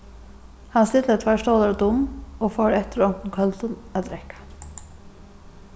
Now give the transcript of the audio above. hann stillaði tveir stólar útum og fór eftir onkrum køldum at drekka